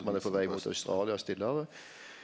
ein er på veg mot Australia og Stillehavet.